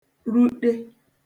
ruṭe